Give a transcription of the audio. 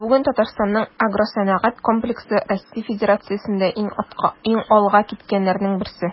Бүген Татарстанның агросәнәгать комплексы Россия Федерациясендә иң алга киткәннәрнең берсе.